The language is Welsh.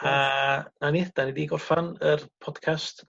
a nawn iddi gorffan yr podcast